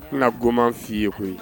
N na koman f'i ye h ye